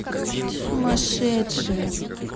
ты сумасшедшая